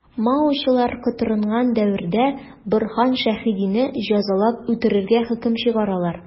Маочылар котырынган дәвердә Борһан Шәһидине җәзалап үтерергә хөкем чыгаралар.